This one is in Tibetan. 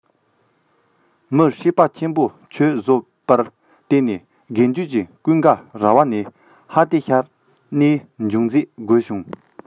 མེ ཧྲི པ ཆེན པོ ཁྱོད བཟོས པར བརྟེན ནས དགེ འདུན གྱི ཀུན དགའ རྭ བ ནས ཨ ཏི ཤས གནས འབྱུང མཛད དགོས བྱུང བ དང ཡང བིརྭ པས འདུལ འཁྲིམས གཙང བའི ལུང པའི ཕུར ཁྱོད རྟེན